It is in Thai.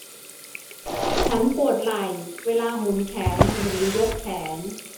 ฉันปวดไหล่เวลาหมุนแขนหรือยกแขน